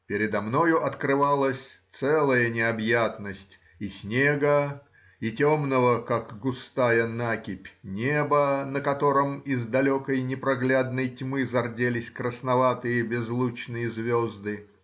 Передо мною открывалась целая необъятность из снега и темного, как густая накипь, неба, на котором из далекой непроглядной тьмы зарделись красноватые, безлучные звезды